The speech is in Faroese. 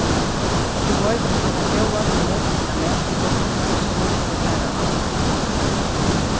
eg veit um eina góða kinesiska matstovu sum vit kunnu fara á